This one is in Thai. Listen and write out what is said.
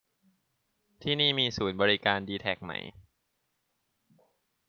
ที่นี่มีศูนย์บริการดีแทคไหม